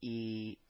Иии